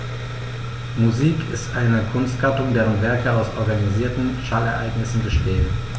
Musik ist eine Kunstgattung, deren Werke aus organisierten Schallereignissen bestehen.